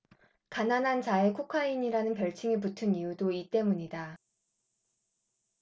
가난한 자의 코카인이라는 별칭이 붙은 이유도 이 때문이다